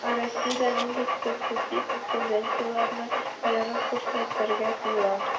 Ә Россиядә нинди специфик тенденцияләрне аерып күрсәтергә була?